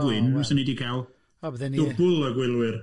du-a-gwyn, os o'n ni wedi cael o bydden ni dwbl o gwylwyr.